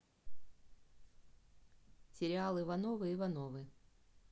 сериал ивановы ивановы